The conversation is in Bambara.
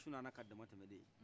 i sinɔgɔ la ka dama tɛmɛ de